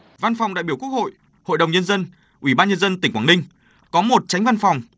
văn phòng đại biểu quốc hội hội đồng nhân dân ủy ban nhân dân tỉnh quảng ninh có một chánh văn phòng